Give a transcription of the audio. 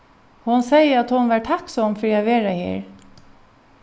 hon segði at hon var takksom fyri at vera her